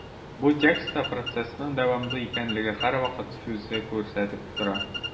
Бу текстта процессның дәвамлы икәнлеген «һәрвакыт» сүзе күрсәтеп тора.